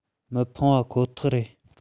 མི ཕོད པ ཁོ ཐག རེད